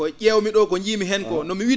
ko ?eewmi ?oo ko njiimi heen ko no mi wittu